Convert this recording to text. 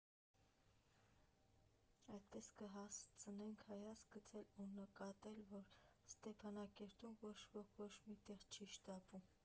Այդպես կհասցնեք հայացք գցել ու նկատել, որ Ստեփանակերտում ոչ ոք ոչ մի տեղ չի շտապում։